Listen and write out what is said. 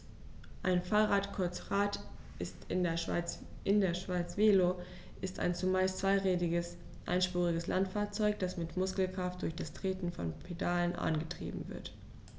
Ein Fahrrad, kurz Rad, in der Schweiz Velo, ist ein zumeist zweirädriges einspuriges Landfahrzeug, das mit Muskelkraft durch das Treten von Pedalen angetrieben wird.